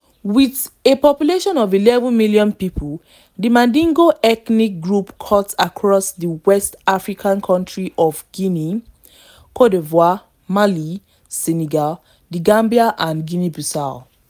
With a population of 11 million people, the Mandingo ethnic group cuts across the West African countries of Guinea, Cote d'Ivoire, Mali, Senegal, the Gambia and Guinea-Bissau.